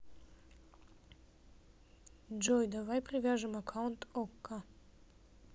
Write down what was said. джой давай привяжем аккаунт okko